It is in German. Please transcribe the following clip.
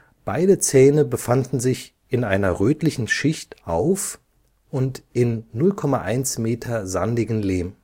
Beide Zähne befanden sich in einer rötlichen Schicht auf und in 0,1 m sandigem Lehm